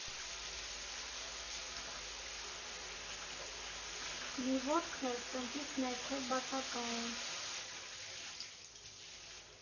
Մի ոտքն էլ, ծնկից ներքև՝ բացակա է։